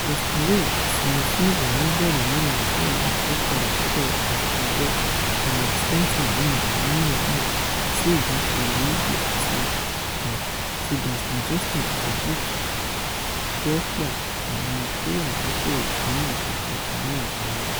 Justin Rose, sinmi fún àwọn oníbọ́ọ̀lù-mẹ́rin òwúrọ̀ náà, ó padà sọ́dọ̀ akẹgbẹ́ Henrik Stenson nínú àwọn onímẹ́rin náà sí ìjákulẹ̀ 2 àti 1 ti Dustin Johnson àti Brooks Koepka - àwọn tówànípò ìkínni àti ìkẹta ni àgbáyé.